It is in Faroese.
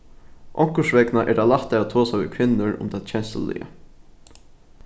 onkursvegna er tað lættari at tosa við kvinnur um tað kensluliga